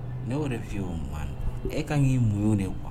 Ne' de fi o mugan e ka kan k'i munɲ de wa